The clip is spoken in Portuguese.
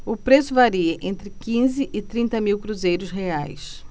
o preço varia entre quinze e trinta mil cruzeiros reais